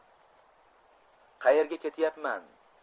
qaerga ketyapman